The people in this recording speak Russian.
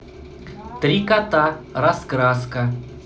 три кота раскраска